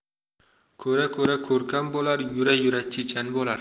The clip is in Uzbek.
ko'ra ko'ra ko'rkam bo'lar yura yura chechan bo'lar